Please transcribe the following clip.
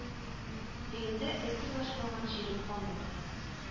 Өемдә электрлашмаган җирем калмады